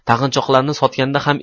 taqinchoqlarini sotganda ham